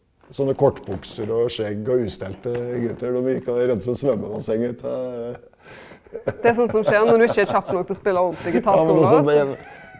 sånne kortbukser og skjegg og ustelte gutter, dem virka rensa svømmebassenget til jammen altså det.